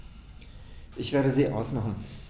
Ich werde sie ausmachen.